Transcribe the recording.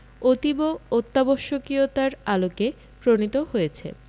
অতীব অত্যাবশ্যকীয়তার আলোকে প্রণীত হয়েছে